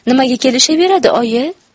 nimaga kelishaveradi oyi